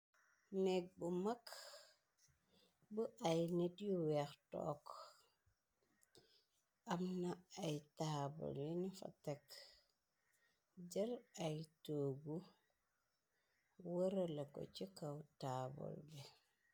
Négg bu mag bu ay nit yu weex tokk. Amna ay taabal yini fa tekk. jël ay toogu wërala ko ci kaw taabal bi.